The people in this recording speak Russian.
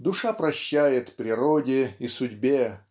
Душа прощает природе и судьбе.